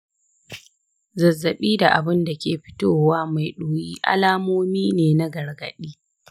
zazzaɓi da abunda ke fitowa mai ɗoyi alamomi ne na gargaɗi